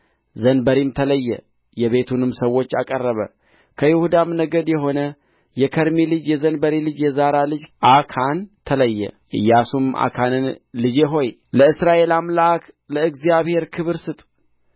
ዘንበሪም ተለየ የቤቱንም ሰዎች አቀረበ ከይሁዳም ነገድ የሆነ የከርሚ ልጅ የዘንበሪ ልጅ የዛራ ልጅ አካን ተለየ ኢያሱም አካንን ልጄ ሆይ ለእስራኤል አምላክ ለእግዚአብሔር ክብር ስጥ